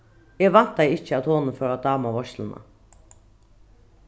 eg væntaði ikki at honum fór at dáma veitsluna